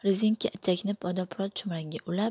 rezinka ichakni vodoprovod jo'mragiga ulab